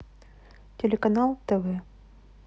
телеканал тв